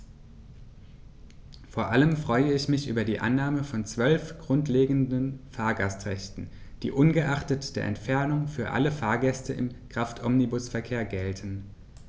Vor allem freue ich mich über die Annahme von 12 grundlegenden Fahrgastrechten, die ungeachtet der Entfernung für alle Fahrgäste im Kraftomnibusverkehr gelten.